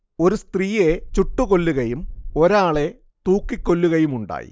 ഒരു സ്ത്രീയെ ചുട്ടുകൊല്ലുകയും ഒരാളെ തൂക്കിക്കൊല്ലുകയുമുണ്ടായി